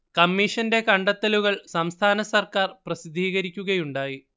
കമ്മീഷന്റെ കണ്ടെത്തലുകൾ സംസ്ഥാന സർക്കാർ പ്രസിദ്ധീകരിക്കുകയുണ്ടായി